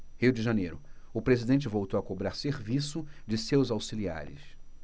rio de janeiro o presidente voltou a cobrar serviço de seus auxiliares